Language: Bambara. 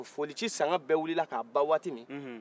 foli ci sanga bɛɛ wilila ka ban waati min